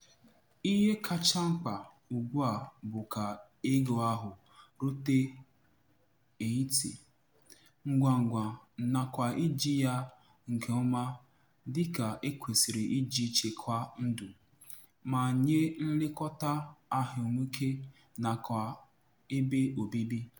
Ihe kacha mkpa ugbua bụ ka ego ahụ rute Haiti ngwangwa nakwa iji ya nke ọma dịka e kwesịrị iji chekwaa ndụ, ma nye nlekọta ahụike nakwa ebe obibi.